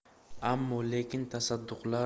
ammo lekin tasadduqlar